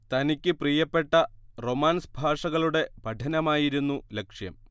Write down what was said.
തനിക്ക് പ്രിയപ്പെട്ട റൊമാൻസ് ഭാഷകളുടെ പഠനമായിരുന്നു ലക്ഷ്യം